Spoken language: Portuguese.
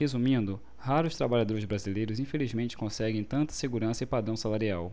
resumindo raros trabalhadores brasileiros infelizmente conseguem tanta segurança e padrão salarial